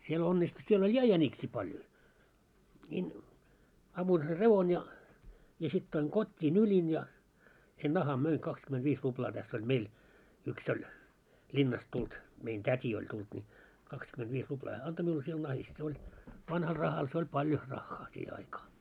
siellä onnistui siellä oli ja jäniksiä paljon niin ammuin sen revon ja ja sitten toin kotiin nyljin ja sen nahan myin kaksikymmentäviisi ruplaa tässä oli meillä yksi oli linnasta tullut meidän täti oli tullut niin kaksikymentäviisi ruplaa hän antoi minulle sillä nahasta se oli vanhalla rahalla se oli paljon rahaa siihen aikaa